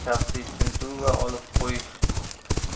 shaxsiy tintuv va olib qo'yish